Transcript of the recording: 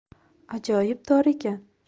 ajoyib tor ekan